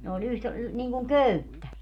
ne oli - niin kuin köyttä